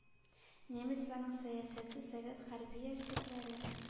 Немецларның сәясәте, совет хәрби әсирләре